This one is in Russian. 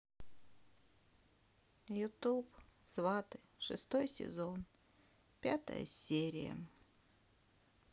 ютуб сваты шестой сезон пятая серия